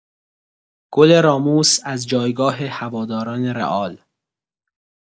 گل راموس از جایگاه هواداران رئال